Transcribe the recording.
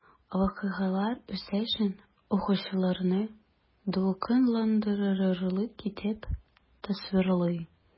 Вакыйгалар үсешен укучыларны дулкынландырырлык итеп тасвирлый.